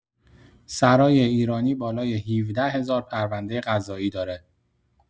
سرای ایرانی بالای ۱۷ هزار پرونده قضایی داره!